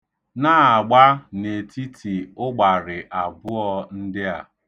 Na-agba n'etiti ụgbarị abụọ ndị a.